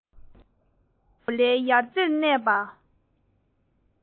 ས ཡི གོ ལའི ཡང རྩེར གནས པ